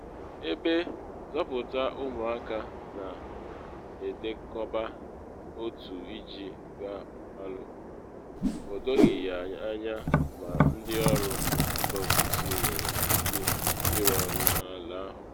Ebe Save the Children na edekọba otu iji gaa Palu, o doghi ya anya ma ndị ọrụ mba ofesi enwere ike ịrụ ọrụ n’ala ahụ.